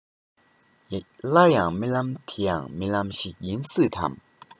སླར ཡང རྨི ལམ དེ ཡང རྨི ལམ ཞིག ཡིན སྲིད དམ